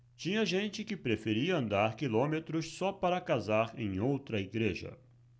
tinha gente que preferia andar quilômetros só para casar em outra igreja